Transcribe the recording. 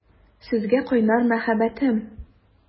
Сезгә кайнар мәхәббәтем!